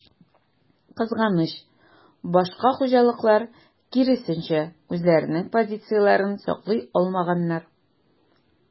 Кызганыч, башка хуҗалыклар, киресенчә, үзләренең позицияләрен саклый алмаганнар.